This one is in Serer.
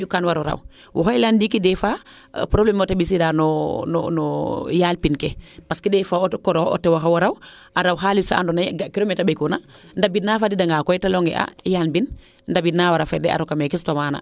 mi kam waro raw waxey leyan ndiiki des fois probleme o te ɓisssida no no yaal pinke parce que des fois o tewoxewo raw a raw xalis faa ando naye ga kiro maate ɓekuuna ndambid naa fadiidanga koy de leyonge a yaal mbin ndabid na fada de a roka mene sutwa maana